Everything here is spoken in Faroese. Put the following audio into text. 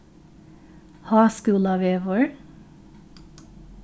háskúlavegur